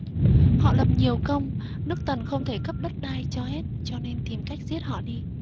họ lập nhiều công nước tần không thể cấp đất đai cho hết cho nên tìm cách giết họ đi